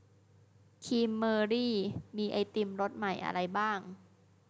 ครีมเมอรี่มีไอติมรสใหม่อะไรบ้าง